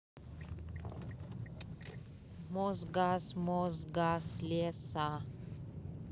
мосгаз мосгаз леса